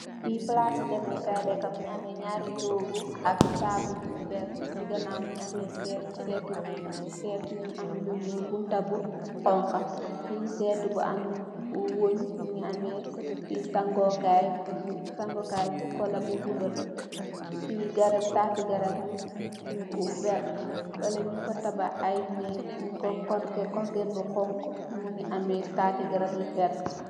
pi palasi demehkai leka mingi ameh nyari toogu ak taabul bu veert ci ganaw mungi ameh seetu seetu seetu bu am lu nyool bunta bu xonxa fee setu bu wonj mungi ameh fee sangokai sangokai bi cola bu bulo la fi taatu Jara bi veert feleh nyung fa tabakh ay neek mungi ameh korget bu xonxu mungi ameh tati garap yu vert